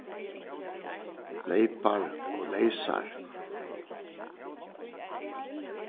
leypar og leysar